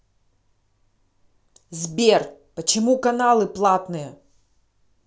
сбер почему каналы платные